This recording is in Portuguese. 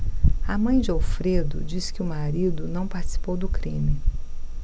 a mãe de alfredo diz que o marido não participou do crime